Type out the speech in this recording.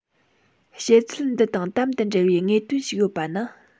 བཤད ཚུལ འདི དང དམ དུ འབྲེལ བའི དངོས དོན ཞིག ཡོད པ ནི